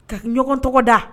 Ka ɲɔgɔn tɔgɔ da